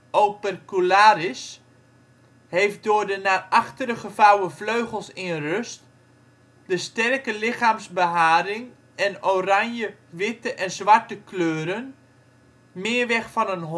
opercularis heeft door de naar achteren gevouwen vleugels in rust, de sterke lichaamsbeharing en oranje, witte en zwarte kleuren meer weg van